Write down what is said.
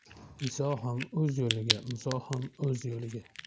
iso ham o'z yo'liga muso ham o'z yo'liga